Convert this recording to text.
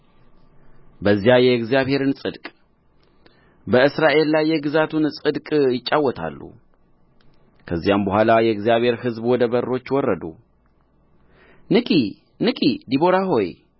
በዚያ የእግዚአብሔርን ጽድቅ በእስራኤል ላይ የግዛቱን ጽድቅ ይጫወታሉ ከዚያም በኋላ የእግዚአብሔር ሕዝብ ወደ በሮች ወረዱ ንቂ ንቂ ዲቦራ ሆይ